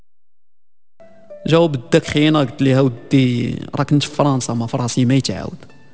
لو بدك حسين اكتب لي رقمك فرنسا ما في راسي ما يتعوض